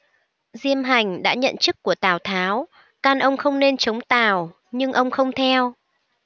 diêm hành đã nhận chức của tào tháo can ông không nên chống tào nhưng ông không theo